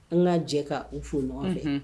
An ka jɛ ka u fo ɲɔgnɔ fɛ.